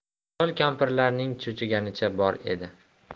chol kampirlarning cho'chiganicha bor edi